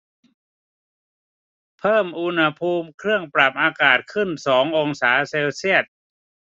เพิ่มอุณหภูมิเครื่องปรับอากาศขึ้นสององศาเซลเซียส